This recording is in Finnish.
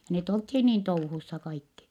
ja ne oltiin niin touhussa kaikki